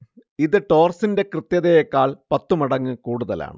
ഇത് ടോർക്സിന്റെ കൃത്യതയേക്കാൾ പത്തു മടങ്ങ് കൂടുതലാണ്